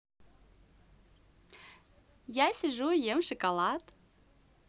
я сижу ем шоколад